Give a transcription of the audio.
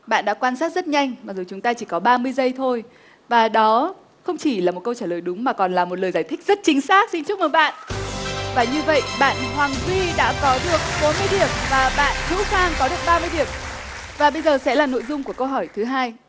bạn đã quan sát rất nhanh và rồi chúng ta chỉ có ba mươi giây thôi và đó không chỉ là một câu trả lời đúng mà còn là một lời giải thích rất chính xác xin chúc mừng bạn và như vậy bạn hoàng duy đã có được số điểm và bạn hữu khang có đến ba mươi điểm và bây giờ sẽ là nội dung của câu hỏi thứ hai